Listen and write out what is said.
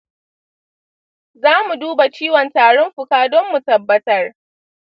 zamu duba ciwon tarin fuka don mu tabbatar.